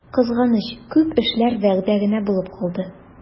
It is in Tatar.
Кызганыч, күп эшләр вәгъдә генә булып калды.